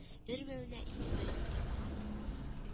Өрмәвенә игътибар итеп тормаган